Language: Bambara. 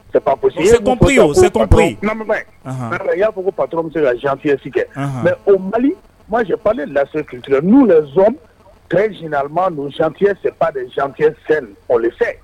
Si y'a fɔ ko pat min bɛ se ka janfyeyasi kɛ mɛ o mali ma laseti n'u yɛrɛ p zinama jan fi de fɛ